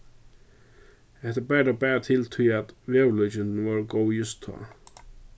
hetta bar tó bara til tí at veðurlíkindini vóru góð júst tá